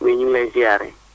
ni ñu ngi lay ziare